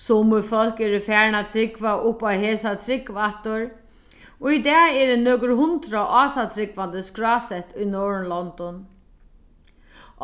summi fólk eru farin at trúgva upp á hesa trúgv aftur í dag eru nøkur hundrað ásatrúgvandi skrásett í norðurlondum